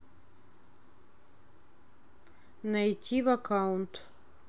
найти в аккаунт